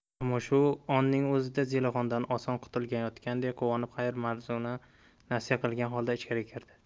ammo shu onning o'zida zelixondan oson qutulayotganiga quvonib xayr ma'zurni nasiya qilgani holda ichkariga kirdi